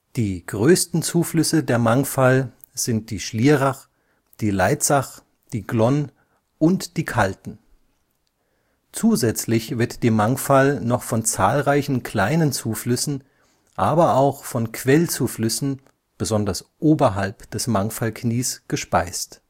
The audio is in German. Die größten Zuflüsse der Mangfall sind die Schlierach, die Leitzach, die Glonn und die Kalten. Zusätzlich wird die Mangfall noch von zahlreichen kleinen Zuflüssen, aber auch von Quellzuflüssen (besonders oberhalb des Mangfallknies) gespeist